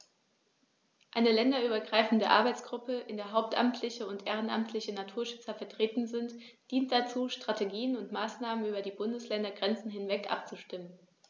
Eine länderübergreifende Arbeitsgruppe, in der hauptamtliche und ehrenamtliche Naturschützer vertreten sind, dient dazu, Strategien und Maßnahmen über die Bundesländergrenzen hinweg abzustimmen.